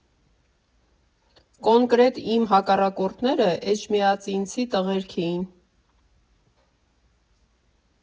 Կոնկրետ իմ հակառակորդները էջմիածինցի տղերք էին։